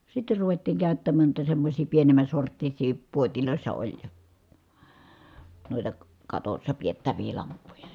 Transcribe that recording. sitten ruvettiin käyttämään noita semmoisia pienemmän sorttisia puodeissa oli noita katossa pidettäviä lamppuja